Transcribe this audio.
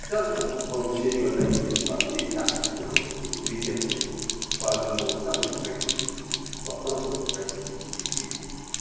давно молчаливо таились во всей тактике русской интеллигенции по одному из самых трагических вопросов российской жизни.